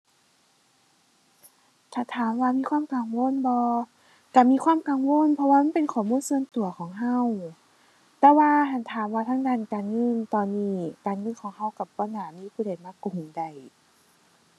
ถ้าถามว่ามีความกังวลบ่ ก็มีความกังวล เพราะว่ามันเป็นข้อมูลส่วนตัวของก็ แต่ว่าหั้นถามว่าทางด้านการเงินตอนนี้ การเงินของก็ก็บ่น่ามีผู้ใดมากลุ้มได้